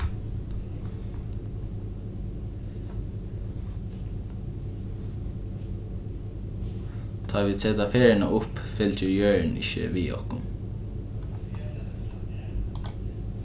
tá vit seta ferðina upp fylgir jørðin ikki við okkum